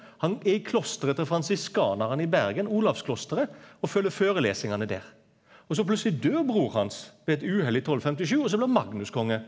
han er i klosteret til fransiskanarane i Bergen Olavsklosteret og fylgjer førelesingane der og så plutseleg dør broren hans ved eit uhell i 1257 og så bli Magnus konge.